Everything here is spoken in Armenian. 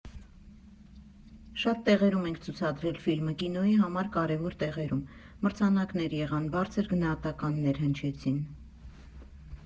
Շատ տեղերում ենք ցուցադրել ֆիլմը, կինոյի համար կարևոր տեղերում, մրցանակներ եղան, բարձր գնահատականներ հնչեցին։